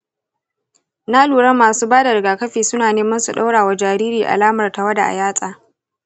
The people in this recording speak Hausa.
na lura masu ba da rigakafi suna neman su ɗora wa jariri alamar tawada a yatsa.